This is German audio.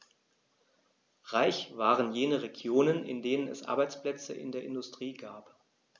Reich waren jene Regionen, in denen es Arbeitsplätze in der Industrie gab.